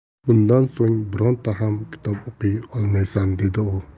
bundan so'ng bironta ham kitob o'qiy olmaysan dedi u